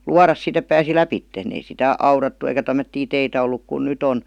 luoda sitten että pääsi lävitse ei sitä aurattu eikä tämmöisiä teitä ollut kuin nyt on